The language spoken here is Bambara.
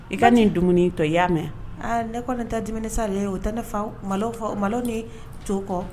I ka nin dumuni to i y'a mɛn ne kɔni nin tɛ disa de ye o tɛ ne fa ma o malo de cogo kɔ